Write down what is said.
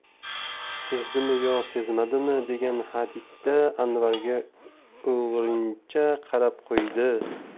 sezdimi yo sezmadimi degan hadikda anvarga o'g'rincha qarab qo'ydi